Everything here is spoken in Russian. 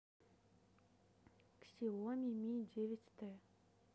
ксиоми ми девять т